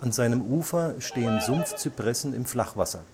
seinem Ufer stehen Sumpfzypressen im Flachwasser